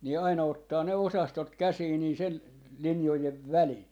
niin aina ottaa ne osastot käsiin niin sen linjojen välin